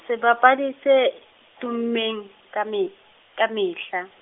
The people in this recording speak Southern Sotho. sebapadi se, tummeng, ka meh-, ka mehla.